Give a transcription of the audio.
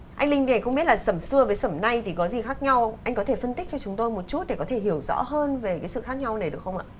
anh linh nhề không biết là xẩm xưa với xẩm nay thì có gì khác nhau anh có thể phân tích cho chúng tôi một chút để có thể hiểu rõ hơn về cái sự khác nhau này được không ạ